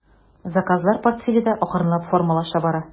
Заказлар портфеле дә акрынлап формалаша бара.